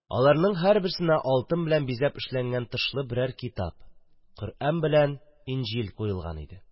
Аларның һәрберсенә алтын белән бизәп эшләнгән тышлы берәр китап – Коръән белән Инҗил куелган иде.